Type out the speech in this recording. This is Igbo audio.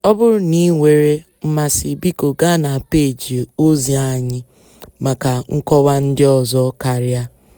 Ọ bụrụ na ị nwere mmasị, bịko gaa na peeji ozi anyị maka nkọwa ndị ọzọ karịa.